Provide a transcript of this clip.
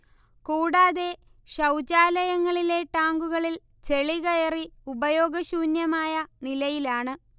കൂടാതെ ശൗചാലയങ്ങളിലെ ടാങ്കുകളിൽ ചെളികയറി ഉപയോഗശൂന്യമായ നിലയിലാണ്